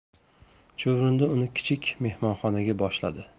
chuvrindi uni kichik mehmonxonaga boshladi